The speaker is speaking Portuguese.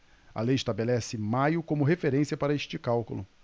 a lei estabelece maio como referência para este cálculo